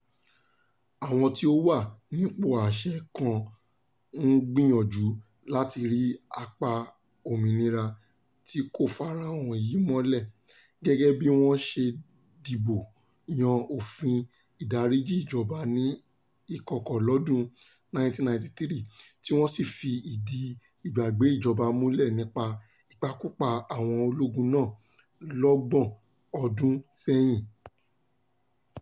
Àwọn tí ó wà nípò àṣẹ kàn ń gbìyànjú láti ri apá òmìnira tí kò farahàn yìí mọ́lẹ̀, gẹ́gẹ́ bí wọ́n ṣe dìbò yan òfin ìdáríjì ìjọba ní ìkọ̀kọ̀ lọ́dún 1993 tí wọ́n sì fìdí ìgbàgbé ìjọba múlẹ̀ nípa ìpakúpa àwọn ológun náà lọ́gbọ̀n ọdún sẹ́yìn.